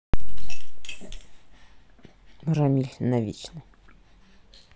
рамиль навечно